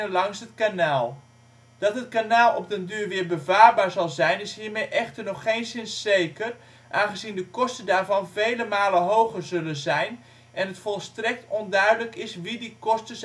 langs het kanaal. Dat het kanaal op den duur weer bevaarbaar zal zijn is hiermee echter nog geenszins zeker, aangezien de kosten daarvan vele malen hoger zullen zijn en het volstrekt onduidelijk is wie die kosten